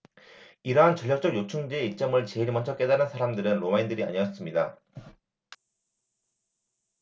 이러한 전략적 요충지의 이점을 제일 먼저 깨달은 사람들은 로마인들이 아니었습니다